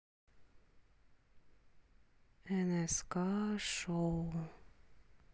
нск шоу